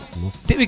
mukk